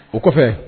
O kɔfɛ